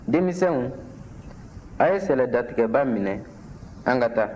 denmisɛnw a' ye sɛlɛdatigɛba minɛ an ka taa